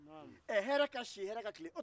hɛɛrɛ ka si hɛɛrɛ ka tilen